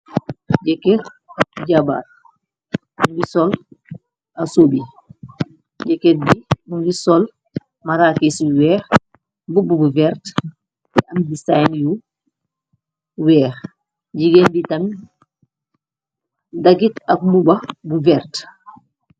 Jekerr ak jabarr mungi sol asobi jekerr bi mungi sol maraakis si weex bubb bu verte de am disin yu weex jigéen tamit dagit ak mu ba bu verte.